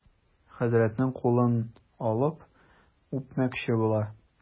Хәзрәтнең кулын алып үпмәкче була.